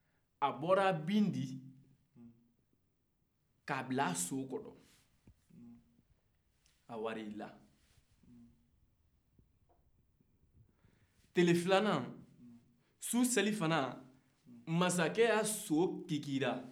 a bɔra nin bin ye k'a bila so kɔrɔ a tara i da tile filanan su selifana mansacɛ ka so kasira